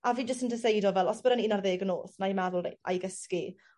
a fi jyst yn deseido fel os bod e'n un ar ddeg y nos na'i meddwl reit ai gysgu.